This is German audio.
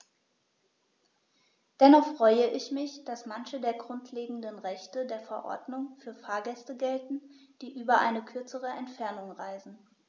Dennoch freue ich mich, dass manche der grundlegenden Rechte der Verordnung für Fahrgäste gelten, die über eine kürzere Entfernung reisen.